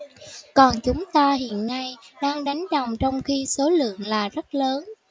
còn chúng ta hiện nay đang đánh đồng trong khi số lượng là rất lớn